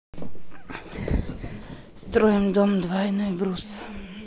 строим дом двойной брус